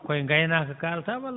koye gaynaaka kaalata walla